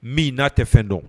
Min n'a tɛ fɛn dɔn